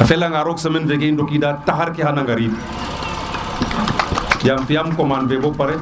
a fela nga roog samaine ne na ndoki da taxar ke xaya ndokid yaam fi yam commende fe bo pare